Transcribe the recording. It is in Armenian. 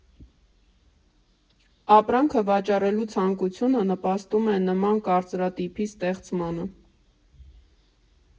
Ապրանքը վաճառելու ցանկությունը նպաստում է նման կարծրատիպի ստեղծմանը։